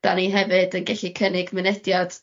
'dan ni hefyd yn gellu cynnig mynediad